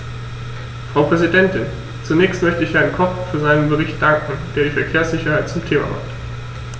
Frau Präsidentin, zunächst möchte ich Herrn Koch für seinen Bericht danken, der die Verkehrssicherheit zum Thema hat.